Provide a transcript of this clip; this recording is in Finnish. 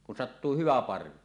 kun sattuu hyvä parvi